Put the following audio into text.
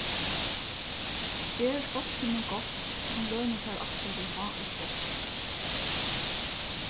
ger skálkinum gott hann lønir tær aftur við háð og spott